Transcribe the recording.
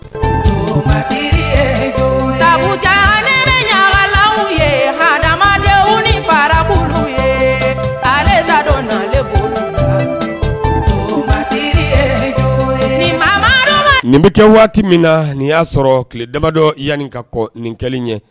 Ja bɛ ɲala ye adamaden ni barakuru ye aledon mamaba nin bɛ kɛ waati min na nin y'a sɔrɔ tile dabadɔ yanni ka kɔ nin kelen ye